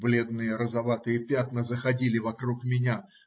Бледные розоватые пятна заходили вокруг меня.